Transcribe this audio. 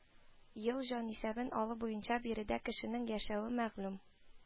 Ел җанисәбен алу буенча биредә кешенең яшәве мәгълүм